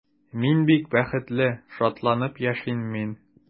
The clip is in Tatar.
Мин бик бәхетле, шатланып яшим мин.